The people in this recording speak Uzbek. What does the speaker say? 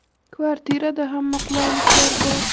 kvartirada hamma qulayliklar bor